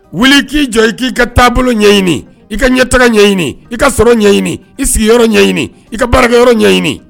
Wuli k'i jɔ i k'i ka taabolo ɲɛɲini, i ka ɲɛtaa ɲɛɲini, i ka sɔrɔ ɲɛɲini, i sigiyɔrɔ ɲɛɲini, i ka baarayɔrɔ ɲɛɲini